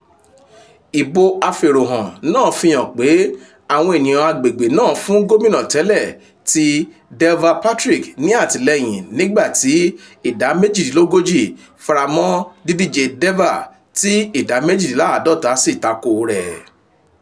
Ìbò afèròhàn náà fi hàn pé àwọn ènìyàn agbègbè náà fún Gómìnà tẹ́lẹ̀ tí Deval Patrick ní àtìlẹyìn nígbà tí ìdá méjìdínlógójì faramọ́ dídíje Deval, tí ìdá méjìdíláàdọ́ta sì tako rẹ̀.